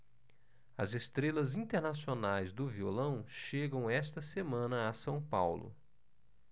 as estrelas internacionais do violão chegam esta semana a são paulo